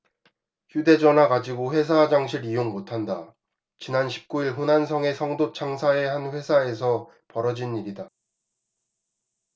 휴대전화 가지고 회사 화장실 이용 못한다 지난 십 구 일 후난성의 성도 창사의 한 회사에서 벌어진 일이다